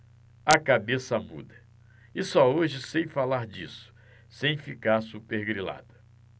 a cabeça muda e só hoje sei falar disso sem ficar supergrilada